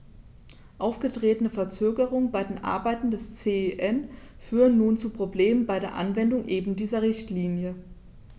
Aufgetretene Verzögerungen bei den Arbeiten des CEN führen nun zu Problemen bei der Anwendung eben dieser Richtlinie.